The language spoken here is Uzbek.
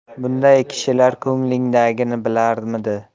bunday kishilar ko'nglingdagini bilarmidi